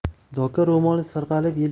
doka ro'moli sirg'alib